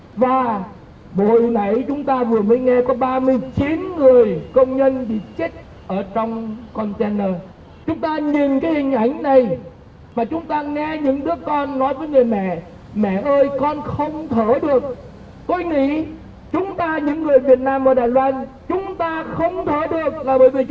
và vừa hồi nãy chúng ta vừa mới nghe có ba mươi chín người công nhân bị chết ở trong con te nơ chúng ta nhìn cái hình ảnh này và chúng ta nghe những đứa con nói với người mẹ mẹ ơi con không thở được tôi nghĩ chúng ta những người việt nam ở đài loan chúng ta không thở được là bởi vì